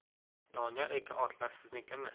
doniyor aka otlar siznikimi